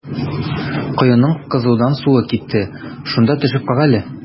Коеның кызудан суы кипте, шунда төшеп кара әле.